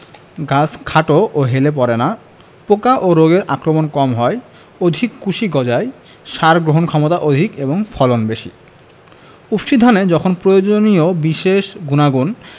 গাছ খাটো ও হেলে পড়ে না পোকা ও রোগের আক্রমণ কম হয় অধিক কুশি গজায় সার গ্রহণক্ষমতা অধিক এবং ফলন বেশি উফশী ধানে যখন প্রয়োজনীয় বিশেষ গুনাগুণ